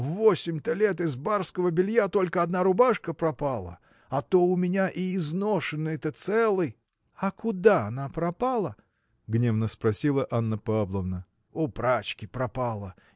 В восемь-то лет из барского белья только одна рубашка пропала а то у меня и изношенные-то целы. – А куда она пропала? – гневно спросила Анна Павловна. – У прачки пропала.